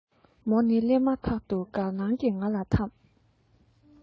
མོ ནི སླེབ མ ཐག ཏུ དགའ སྣང གི ང ལ ཐམས